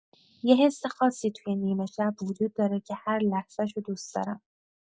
یه حس خاصی تو نیمه‌شب وجود داره که هر لحظه‌ش رو دوست دارم.